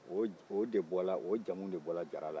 o jamuw de bɔra jara la